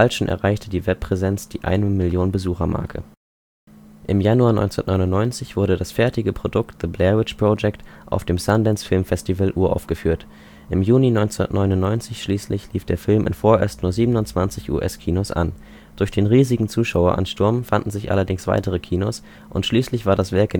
schon erreichte die Webpräsenz die Eine-Million-Besucher-Marke. Im Januar 1999 wurde das fertige Produkt „ The Blair Witch Project “auf dem Sundance Film Festival uraufgeführt. Im Juni 1999 schließlich lief der Film in vorerst nur 27 US-Kinos an. Durch den riesigen Zuschaueransturm fanden sich allerdings weitere Kinos, und schließlich war das Werk